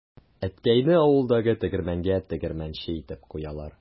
Әткәйне авылдагы тегермәнгә тегермәнче итеп куялар.